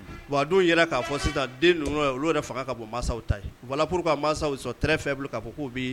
Wadenw yɛrɛ k'a fɔ sisan den ninnu olu fanga ka bɔ mansaw ta wapuru ka mansaw sɔrɔ tɛ fɛn k'a fɔ ko bi